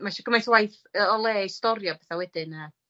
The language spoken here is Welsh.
...ma isio gymaint o waith yy o le i storio pethe wedyn, a.